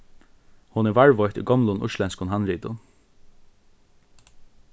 hon er varðveitt í gomlum íslendskum handritum